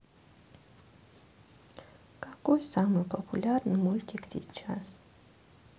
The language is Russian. какой самый популярный мультик сейчас